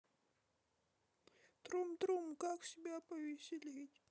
трум трум как себя повеселить